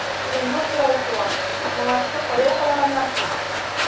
Урынлы сорау туа: моңарчы кая караганнар соң?